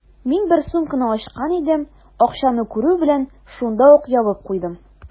Мин бер сумканы ачкан идем, акчаны күрү белән, шунда ук ябып куйдым.